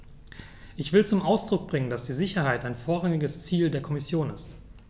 Ich will zum Ausdruck bringen, dass die Sicherheit ein vorrangiges Ziel der Kommission ist.